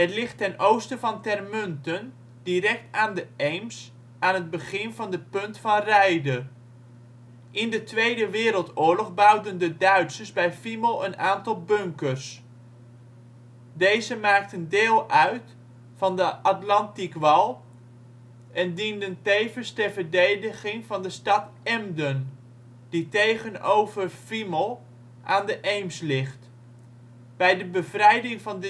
ligt ten oosten van Termunten direct aan de Eems, aan het begin van de Punt van Reide. In de Tweede Wereldoorlog bouwden de Duitsers bij Fiemel een aantal bunkers. Deze maakten deel uit van de Atlantikwall, en dienden tevens ter verdediging van de stad Emden, die tegenover Fiemel aan de Eems ligt. Bij de bevrijding van